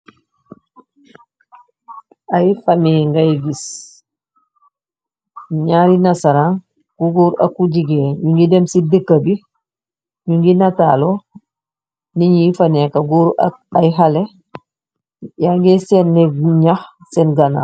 Ay family ngè gës. Naari nasaraan Ku gòor ak ku jigeen nungi dem ci daka bi, nungi natal lu. Nit yu fa nekka gòor ak ay haley. Ay ngè senn nèeg gu nëh senn ganaaw.